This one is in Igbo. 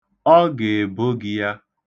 Ọ ga-ebo gị ya.